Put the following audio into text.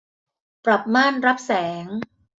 ปรับม่านรับแสง